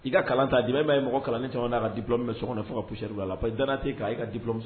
I ka kalan ta jamana m' ye mɔgɔ kalan ni caman n'a dilɔ min bɛ so kɔnɔ faga ka p se a la ko i da tɛ k'a' ka dilɔ min